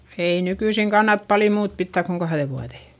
ei nykyisin kannata paljon muuta pitää kuin kahden vuoden